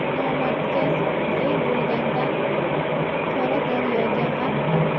nomardga zor bo'lgandan qora daryoga g'arq bo'l